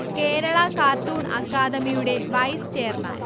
Kerala cartoon അക്കാദമിയുടെ vice chairman